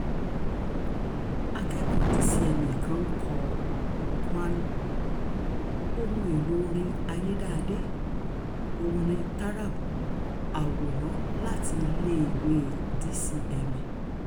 Akẹ́kọ̀ọ́ DCMA kan ń kọ́ qanun, ohun èlò orin ayédáadé orin taarab. Àwòrán láti iléèwé DCMA.